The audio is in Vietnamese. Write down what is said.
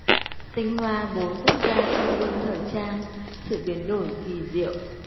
tinh hoa bốn quốc gia trong đêm thời trang sự biến đổi kỳ diệu